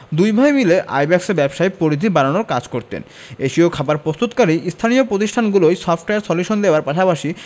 দুই ভাই মিলে আইব্যাকসের ব্যবসার পরিধি বাড়ানোর কাজ করতেন এশীয় খাবার প্রস্তুতকারী স্থানীয় প্রতিষ্ঠানগুলোয় সফটওয়্যার সলিউশন দেওয়ার পাশাপাশি